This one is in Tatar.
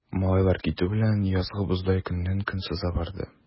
Малайлар китү белән, язгы боздай көннән-көн сыза барды.